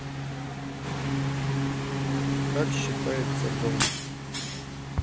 как считается дом